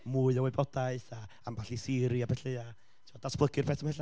mwy o wybodaeth, a ambell i theori a ballu, a, ti'n gwybod, datblygu'r peth ymhellach,